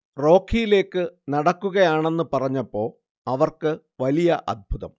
റോഘിയിലേക്ക് നടക്കുകയാണെന്ന് പറഞ്ഞപ്പോ അവർക്ക് വലിയ അത്ഭുതം